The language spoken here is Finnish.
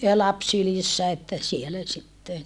ja lapsi sylissä että siellä sitten